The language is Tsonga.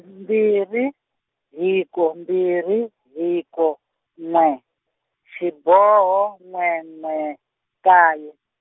mbirhi, hiko mbirhi hiko, n'we, xiboho n'we n'we, nkaye.